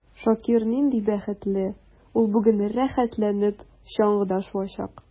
Шакир нинди бәхетле: ул бүген рәхәтләнеп чаңгыда шуачак.